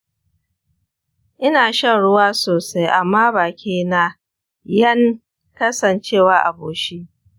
ina shan ruwa sosai amma bakina yan kasancewa a bushe.